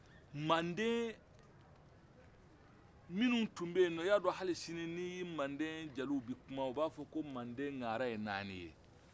mande minnu tun bɛ yen nɔn e y'a dɔ hali sini ni mande jeliw bɛ kuma o b'a fɔ ko mande ŋaara ye naani ye